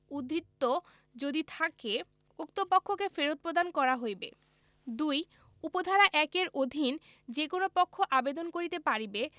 উদ্বৃত্ত যদি থাকে উক্ত পক্ষকে ফেরত প্রদান করা হইবে ২ উপ ধারা ১ এর অধীন যে কোন পক্ষ আবেদন করিতে পারিবে